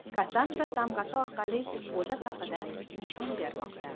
kassandra tamg'asi orqali o'zi haqida nishon bermoqda